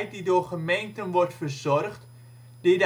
die door gemeenten wordt verzorgd, die